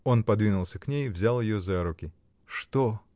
Он подвинулся к ней, взял ее за руку. — Что!